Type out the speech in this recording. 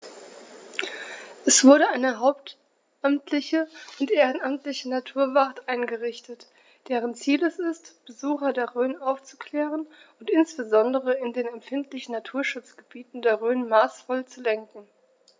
Es wurde eine hauptamtliche und ehrenamtliche Naturwacht eingerichtet, deren Ziel es ist, Besucher der Rhön aufzuklären und insbesondere in den empfindlichen Naturschutzgebieten der Rhön maßvoll zu lenken.